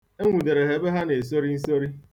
E nwudere ha ebe ha na-esori nsori.